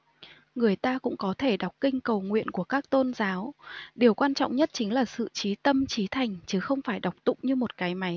người ta cũng có thể đọc kinh cầu nguyện của các tôn giáo điều quan trọng nhất chính là sự chí tâm chí thành chứ không phải đọc tụng như một cái máy